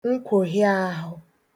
nkwòhịaàhu